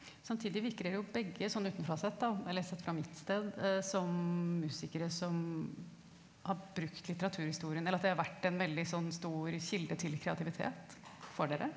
samtidig virker dere jo begge sånn utenfra sett da eller sett fra mitt sted som musikere som har brukt litteraturhistorien eller at det har vært en veldig sånn stor kilde til kreativitet for dere.